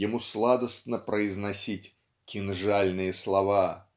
Ему сладостно произносить "кинжальные слова"